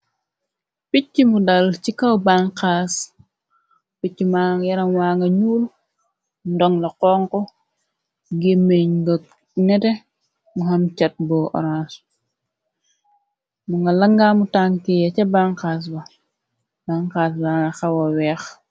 Picci mu dal ci kaw banxaas, picci mang yaramwaa nga ñuul, ndoŋ la xonxu, gemëñ nga nete, mu am cat bo oraans, mu nga la ngaamu tank ya ca banxas ba, banxaas ba nga xawa weex.